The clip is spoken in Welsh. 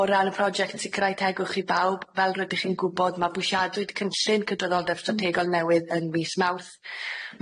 O ran y project sicirau tegwch i bawb fel rydych chi'n gwbod ma' bwysiadwyd cynllun cydraddoldeb strategol newydd yn mis Mawrth.